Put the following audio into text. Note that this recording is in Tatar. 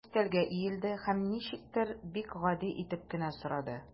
Ул өстәлгә иелде һәм ничектер бик гади итеп кенә сорады.